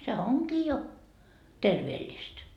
se onkin jo terveellistä